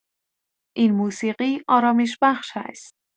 این موسیقی آرامش‌بخش است.